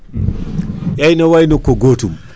eyyi ne wayno ko gootum